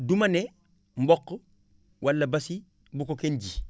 du ma ne mboq wala basi bu ko kenn ji